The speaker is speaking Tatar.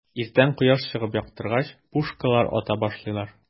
Иртән кояш чыгып яктыргач, пушкалар ата башлыйлар.